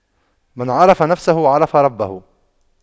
من عرف نفسه عرف ربه